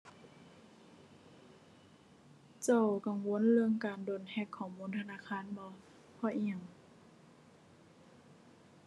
เจ้ากังวลเรื่องการโดนแฮ็กข้อมูลธนาคารบ่ เพราะอิหยัง